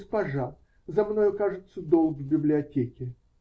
-- Госпожа, за мною, кажется, долг в библиотеке?